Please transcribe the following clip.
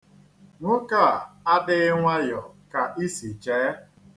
Nwoke a dịghị nwayọ ka i si chee.